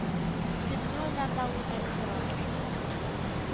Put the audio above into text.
Көзге айларда ул әле бераз